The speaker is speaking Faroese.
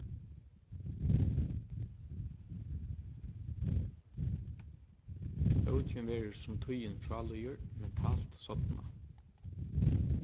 bókin verður sum tíðin frá líður mentalt sodnað